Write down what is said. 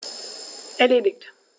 Erledigt.